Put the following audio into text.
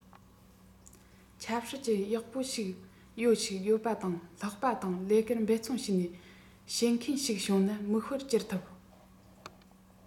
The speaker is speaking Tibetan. ཆབ སྲིད ཅུད ཡག པོ ཞིག ཡོད ཞིག ཡོད པ དང ལྷག པ དང ལས ཀར འབད བརྩོན བྱས ནས བྱེད མཁན ཞིག བྱུང ན མིག དཔེར གྱུར ཐུབ